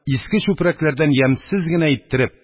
Иске чүпрәкләрдән ямьсез генә иттереп,